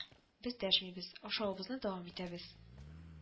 Без дәшмибез, ашавыбызны дәвам итәбез